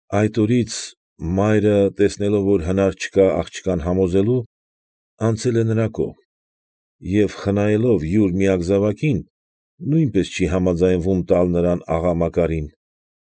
Այդ օրից մայրը, տեսնելով, որ հնար չկա աղջկան համոզելու, անցել է նրա կողմ, և խնայելով յուր միակ զավակին, նույնպես չի համաձայնվում տալ նրան աղա Մակարին։